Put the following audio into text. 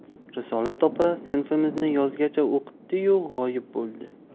risolat opa sinfimizni yozgacha o'qitdi yu g'oyib bo'ldi